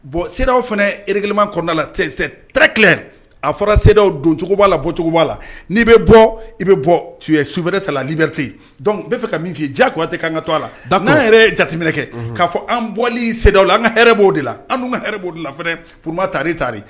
Bon sew fana ekilima kɔnɔna la tti a fɔra sew doncogoba la bɔcogoba la'i bɛ bɔ i bɛ bɔ tu subɛ salibte dɔnkua fɛ ka min fɔ' i jaa tɛ k an ka to a la da n'an yɛrɛ jateminɛ kɛ k'a fɔ an bɔli sew la an ka hɛrɛɛrɛ b'o de la an ka hɛrɛ b'o laɛrɛ porobatari tari